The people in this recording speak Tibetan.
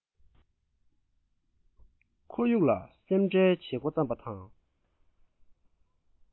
ཁོར ཡུག ལ སེམས ཁྲལ བྱེད འགོ བརྩམས པ དང